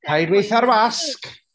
Paid weud 'tho'r wasg.